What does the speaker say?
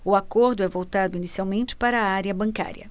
o acordo é voltado inicialmente para a área bancária